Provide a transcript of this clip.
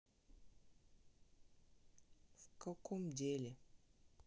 в каком деле